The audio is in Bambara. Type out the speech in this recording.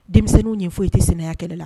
Denmisɛnninw nin foyi te sinaya kɛlɛ la